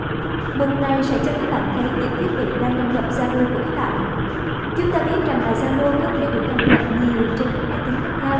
mục này cho bạn thấy những thiết bị đang đăng nhập zalo của các bạn chúng ta biết rằng của zalo có thể đăng nhập nhiều trên máy tính khác nhau